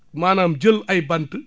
maanaam jël ay bant